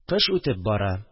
Кыш үтеп бара